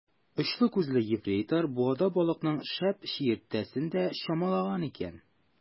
Очлы күзле ефрейтор буада балыкның шәп чиертәсен дә чамалаган икән.